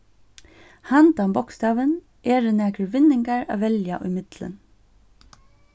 handan bókstavin eru nakrir vinningar at velja ímillum